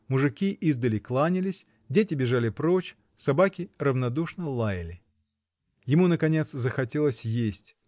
мужики издали кланялись, дети бежали прочь, собаки равнодушно лаяли. Ему наконец захотелось есть